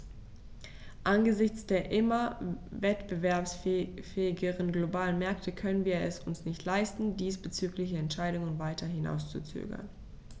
Angesichts der immer wettbewerbsfähigeren globalen Märkte können wir es uns nicht leisten, diesbezügliche Entscheidungen weiter hinauszuzögern.